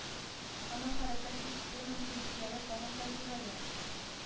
Аның хәрәкәт итү мөмкинлекләре тагын да зурая.